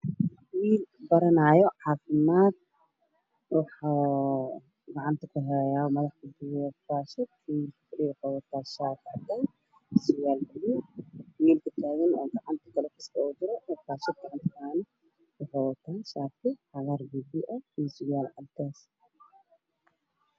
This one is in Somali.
Wiil fadhiyo shaati cadaan wato waxaa og taagan wiil madaxa wax ugu duubayo meesha waa meel caafimaad